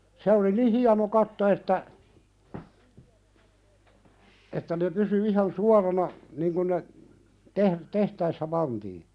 se oli niin hieno katto että että ne pysyi ihan suorana niin kun ne - tehtäessä pantiin